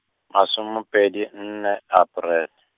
masome pedi nne, Aprele.